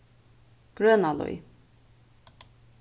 grønalíð